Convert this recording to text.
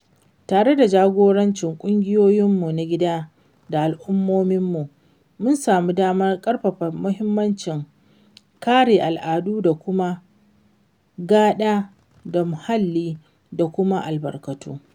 Tare da jagorancin ƙungiyoyinmu na gida da al’ummomi, mun samu damar ƙarfafa mahimmancin kare al’adu da muka gada da muhalli da kuma albarkatu.